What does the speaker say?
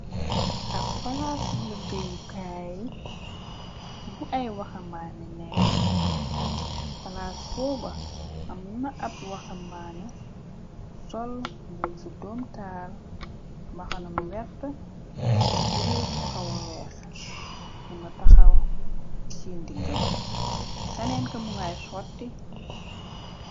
Ab palaasu lëgge yu kaay bu ay waxambaane nekk palaas booba amna ab waxambaane bu sol busu doomtaal mbaxanamu wert ak ture ju xawa weex mu nga taxaw ci tiye ndiggam keneen ka mu ngay sotti.